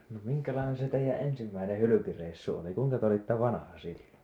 no minkälainen se teidän ensimmäinen hyljereissu oli kuinka te olitte vanha silloin